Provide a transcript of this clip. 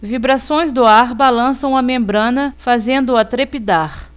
vibrações do ar balançam a membrana fazendo-a trepidar